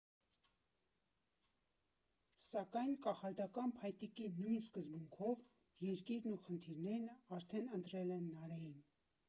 Սակայն կախարդական փայտիկի նույն սկզբունքով՝ երկիրն ու խնդիրներն արդեն ընտրել են Նարէին։